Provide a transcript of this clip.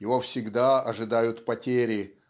его всегда ожидают потери